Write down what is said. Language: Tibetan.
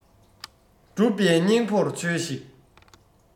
སྒྲུབ པའི སྙིང བོར བྱོས ཤིག